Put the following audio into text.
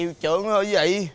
hiệu trưởng thôi ấy gì